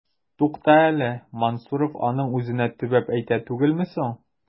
Тукта әле, Мансуров аның үзенә төбәп әйтә түгелме соң? ..